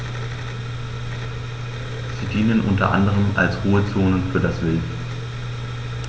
Sie dienen unter anderem als Ruhezonen für das Wild.